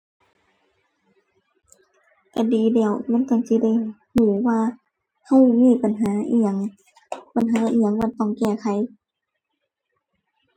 ก็ดีแล้ว มันก็สิได้ก็ว่าก็มีปัญหาอิหยัง ปัญหาอิหยังว่าต้องแก้ไข